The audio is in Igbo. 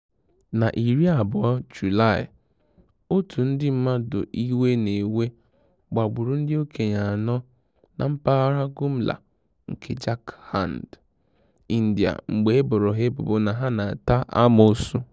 Na 20 Julaị, otu ndị mmadụ iwe na-ewe gbagburu ndị okenye anọ na Mpaghara Gumla nke Jharkhand, India mgbe e boro ha ebubo na ha na-ata amoosu.